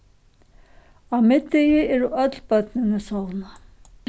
á middegi eru øll børnini sovnað